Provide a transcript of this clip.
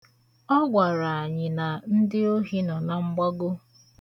Ọ gwara anyị na ndị ohi nọ na mgbago.